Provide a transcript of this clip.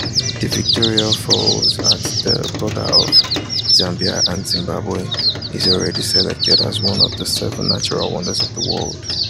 The Victoria Falls at the border of Zambia and Zimbabwe is already selected as one of the seven natural wonders of the world.